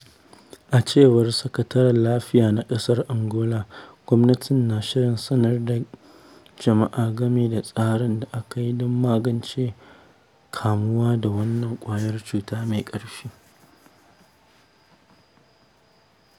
A cewar Sakataren Lafiya na ƙasar Angola, gwamnatin na shirin sanar da jama’a game da tsarin da aka yi don magance kamuwa da wannan ƙwayar cuta mai ƙarfi.